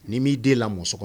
Ni m'i den la muso kɔnɔ